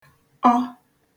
ọ